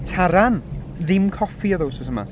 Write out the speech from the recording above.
Taran! Ddim coffi oedd o wythnos yma.